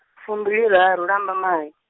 fumbiliraru ḽa Lambamai.